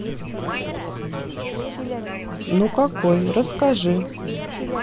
ну какой расскажи